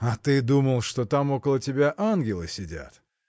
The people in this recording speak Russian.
– А ты думал, что там около тебя ангелы сидят!